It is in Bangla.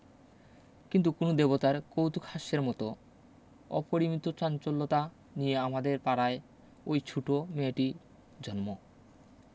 কিন্তু কোন দেবতার কৌতূকহাস্যের মত অপরিমিত চাঞ্চল্যতা নিয়ে আমাদের পাড়ায় ঐ ছুট মেয়েটি জন্ম